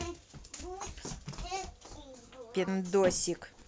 пендосик